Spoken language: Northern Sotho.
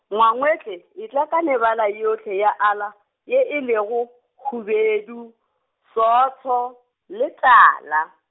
ngwangwatle, e tla ka mebala yohle ya ala, ye e lego, hubedu, sootho, le tala.